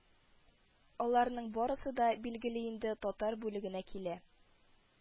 Аларның барысы да, билгеле инде, татар бүлегенә килә